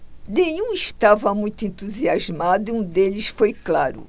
nenhum estava muito entusiasmado e um deles foi claro